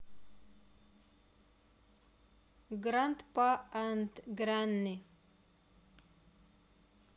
grandpa and granny